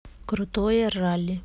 крутое ралли